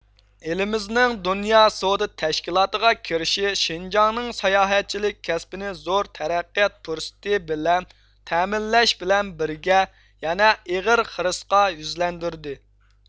ئېلىمىزنىڭ دۇنيا سودا تەشكىلاتىغا كىرىشى شىنجاڭنىڭ ساياھەتچىلىك كەسپىنى زور تەرەققىيات پۇرسىتى بىلەن تەمىنلەش بىلەن بىرگە يەنە ئېغىر خىرىسقا يۈزلەندۈرىدۇ